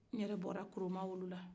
n yɛrɛ bɔra koromaa olu la